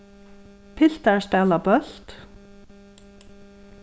piltar spæla bólt